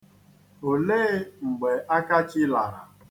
Olee mgbe Akachi lara?